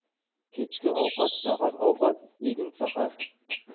kechki ovqat zahar ovqat yegin sahar